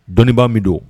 Dɔnniibaa bɛ don